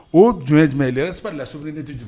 O jɔn ye jumɛn saba lasuruli ne de tɛ kojugu